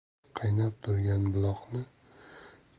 qaynab turgan buloqni